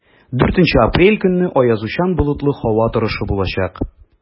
4 апрель көнне аязучан болытлы һава торышы булачак.